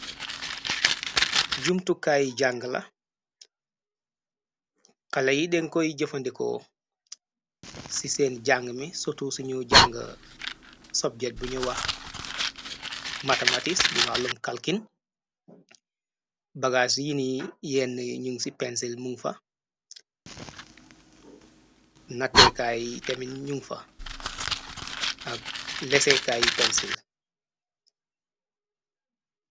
Jumtukkaay jàng la xala yi denkoy jëfandeko ci seen jàng mi sotu ciñu jàng sobjet buñu wax mathematis di waxlom kalkin bagaasu yini yenn ñun ci pensil mum fa natekaay temin ñu fa ak leseekaay pensil.